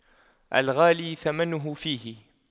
الغالي ثمنه فيه